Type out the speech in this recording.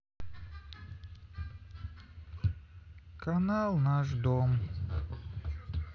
канал наш дом